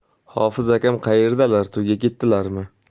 hofiz akam qaerdalar to'yga ketdilarmi